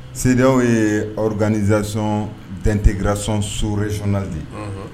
CEDEAO ye organisation d'intégration sous régionale de ye.